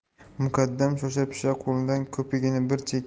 muqaddam shoshapisha qo'lining ko'pigini bir